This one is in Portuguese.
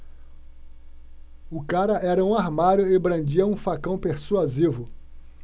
o cara era um armário e brandia um facão persuasivo